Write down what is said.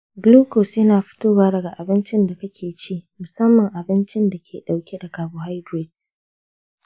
glucose yana fitowa daga abincin da kake ci, musamman abincin da ke dauke da carbohydrate.